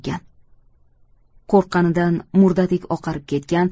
qo'rqqanidan murdadek oqarib ketgan